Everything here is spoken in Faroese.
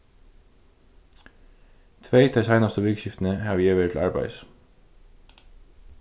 tvey tey seinastu vikuskiftini havi eg verið til arbeiðis